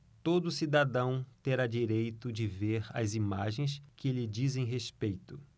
todo cidadão terá direito de ver as imagens que lhe dizem respeito